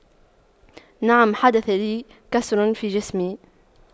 نعم حدث لي كسر في جسمي